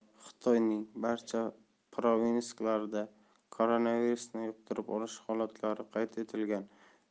xitoyning barcha provinsiyalarida koronavirusni yuqtirib olish holatlari